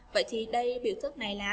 vậy thì đây biểu thức này là